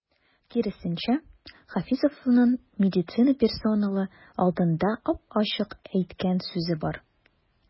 Киресенчә, Хафизовның медицина персоналы алдында ап-ачык әйткән сүзе бар.